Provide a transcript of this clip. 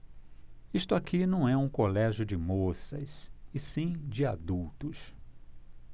isto aqui não é um colégio de moças e sim de adultos